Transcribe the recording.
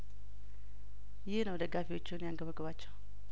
ይህ ነው ደጋፊዎቹን ያንገ በገባቸው